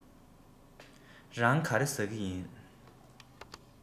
རང ག རེ ཟ གིན ཡོད